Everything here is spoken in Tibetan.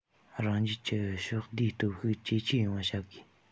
རང རྒྱལ གྱི ཕྱོགས བསྡུས སྟོབས ཤུགས ཇེ ཆེ ཡོང བ བྱ དགོས